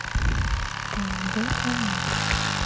тнв планета